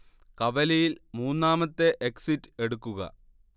കവലയിൽ മൂന്നാമത്തെ എക്സിറ്റ് എടുക്കുക